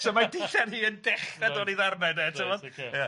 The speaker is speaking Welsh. So ma dillad hi yn dechra dod i ddarna de ti'bod ia ... Reit ocê...